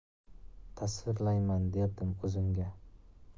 tasvirlayman derdim o'zimga